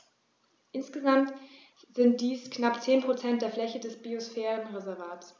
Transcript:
Insgesamt sind dies knapp 10 % der Fläche des Biosphärenreservates.